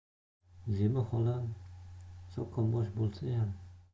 zebi xola so'qqabosh bo'lsayam